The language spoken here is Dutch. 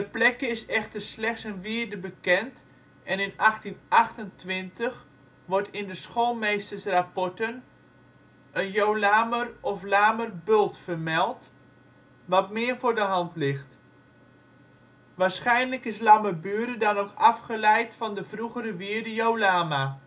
plekke is echter slechts een wierde bekend en in 1828 wordt in de schoolmeestersrapporten een Jolamer - óf Lamerbult vermeldt, wat meer voor de hand ligt. Waarschijnlijk is Lammerburen dan ook afgeleid van de vroegere wierde Jolama